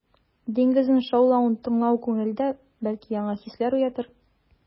Диңгезнең шаулавын тыңлау күңелдә, бәлки, яңа хисләр уятыр.